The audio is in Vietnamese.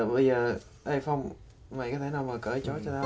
bây giờ ê phong mày có thể nào cởi trói cho tao